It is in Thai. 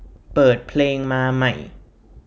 เปิดเพลงมาใหม่